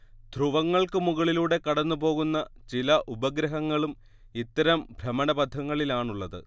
ധ്രുവങ്ങൾക്കു മുകളിലൂടെ കടന്നുപോകുന്ന ചില ഉപഗ്രഹങ്ങളും ഇത്തരം ഭ്രമണപഥങ്ങളിലാണുള്ളതു്